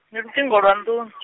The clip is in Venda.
ndi luṱingo lwa nḓuni .